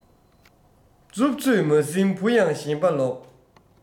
རྩུབ ཚོད མ ཟིན བུ ཡང ཞེན པ ལོག